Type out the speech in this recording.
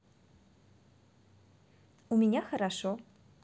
у меня хорошо